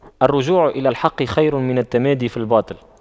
الرجوع إلى الحق خير من التمادي في الباطل